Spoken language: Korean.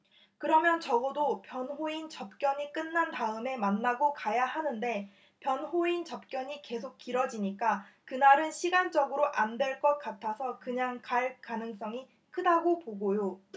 그러면 적어도 변호인 접견이 끝난 다음에 만나고 가야 하는데 변호인 접견이 계속 길어지니까 그날은 시간적으로 안 될 것 같아서 그냥 갈 가능성이 크다고 보고요